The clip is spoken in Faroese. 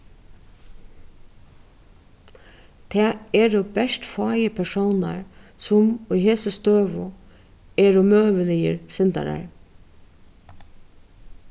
tað eru bert fáir persónar sum í hesi støðu eru møguligir syndarar